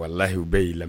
Walalahi u bɛɛ y'i lamɛn